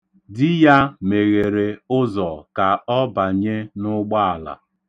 Di ya meghere ụzọ ka ọ banye n'ụgbọala